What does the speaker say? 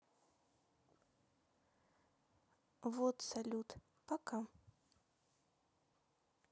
вот салют пока